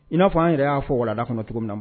I n'a fɔ an yɛrɛ y'a fɔ walanda kɔnɔ cogo min na.